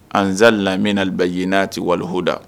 An nzali la min nali bɛ n''a tɛ walihoda